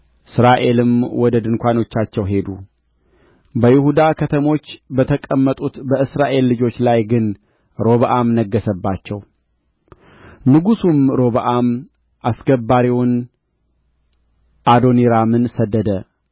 እስራኤልም ወደ ድንኳኖቻቸው ሄዱ በይሁዳ ከተሞች በተቀመጡት በእስራኤል ልጆች ላይ ግን ሮብዓም ነገሠባቸው ንጉሡም ሮብዓም አስገባሪውን አዶኒራምን ሰደደ